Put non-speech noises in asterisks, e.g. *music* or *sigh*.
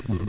*hesitation* *hesitation*